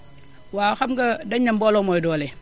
waaw xam nga dañu ne mbooloo mooy doole